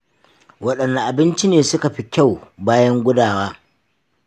wadanne abinci ne suka fi kyau bayan gudawa?